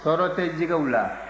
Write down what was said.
tɔɔrɔ tɛ jɛgɛw la